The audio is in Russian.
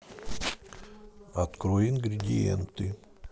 открой ингредиенты